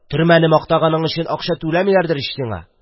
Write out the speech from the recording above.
Төрмәне мактаганың өчен акча түләмиләрдер ич сиңа?!